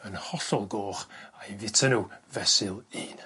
yn hollol goch a'u fita n'w fesul un.